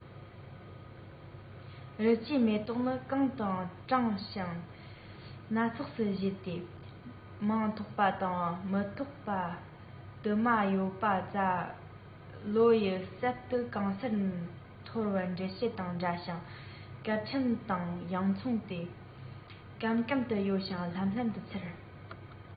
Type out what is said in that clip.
རི སྐྱེས མེ ཏོག ནི གང དུའང བཀྲ ཞིང སྣ ཚོགས སུ བཞད དེ མིང ཐོགས པ དང མི ཐོགས པ དུ མ ཡོད པ རྩྭ ལོ ཡི གསེབ ཏུ གང སར ཐོར བ འདྲེན བྱེད དང འདྲ ཞིང སྐར ཕྲན དང ཡང མཚུངས ཏེ ཀེམ ཀེམ དུ གཡོ ཞིང ཧེམ ཧེམ དུ འཚེར